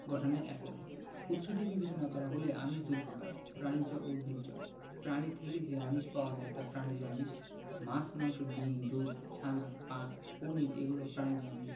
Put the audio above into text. গঠনের একক উৎস দিয়ে বিবেচনা করা হলে আমিষ দুই প্রকার প্রাণিজ ও উদ্ভিজ্জ প্রাণী থেকে যে আমিষ পাওয়া যায় তা প্রাণিজ আমিষ মাছ মাংস ডিম দুধ ছানা পনির এগুলো প্রাণিজ আমিষ